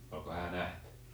oliko hän nähnyt